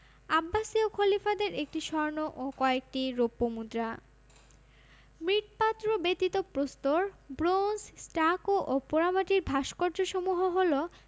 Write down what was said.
আব্বাসীয় খলিফাদের একটি স্বর্ণ ও কয়েকটি রৌপ্য মুদ্রা মৃৎপাত্র ব্যতীত প্রস্তর ব্রোঞ্জ স্টাকো ও পোড়ামাটির ভাস্কর্যসমূহ হলো